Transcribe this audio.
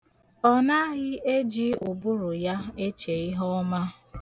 Ọ naghị eji ụbụrụ ya eche ihe ọma.